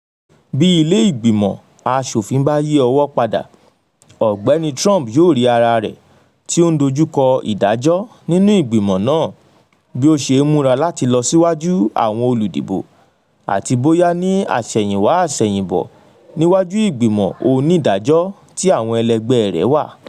Bí Ilé Ìgbìmọ̀ Aṣòfin bá yí ọwọ́ padà, Ọ̀gbẹ́ni Trump yóò rí ara rẹ̀ tí ó ń dojú kọ ìdájọ́ nínú ìgbìmọ̀ náà, bí ó ṣe ń múra láti lọ síwájú àwọn olùdìbò, àti bóyá ní àsẹ̀yìnwá àsẹ̀yìnbò níwájú ìgbìmọ̀ onídàájọ́ tí àwọn ẹlẹgbẹ́ rẹ̀ wà.